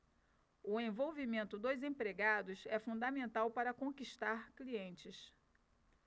o envolvimento dos empregados é fundamental para conquistar clientes